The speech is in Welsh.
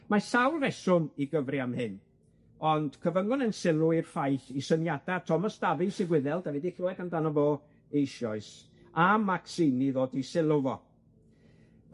Mae sawl reswm i gyfri am hyn, ond cyfyngwn 'yn sylw i'r ffaith i syniada Thomas Davis y Gwyddel, 'dan ni 'di clywed amdano fo eisoes, a Mazzini ddod i sylw fo.